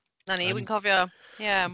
'Na ni, wi'n cofio. Ie.